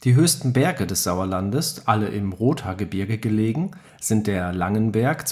höchsten Berge des Sauerlandes, alle im Rothaargebirge gelegen, sind der Langenberg